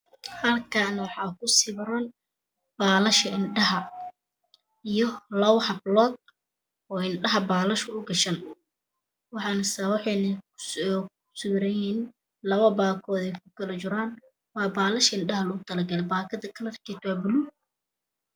Halkan waxaa kusawiran baalasha indhaha iyo laba hablod oo indhaha balasha ugashan waxayna kusawiran yihiin laba baakoodey kukala jiraan waana baa kada balasha in dhaha loogu talagay baakada kalakeedana waa buluug